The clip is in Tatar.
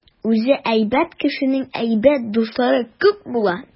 Үзе әйбәт кешенең әйбәт дуслары күп була.